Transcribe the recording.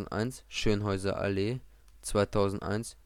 3-442-54175-1 Schönhauser Allee. (2001